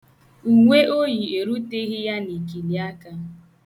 Uwe o yi eruteghi ya n'ikiliaka.